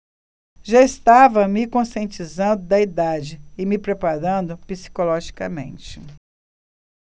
já estava me conscientizando da idade e me preparando psicologicamente